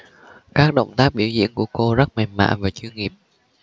các động tác biểu diễn của cô rất mềm mại và chuyên nghiệp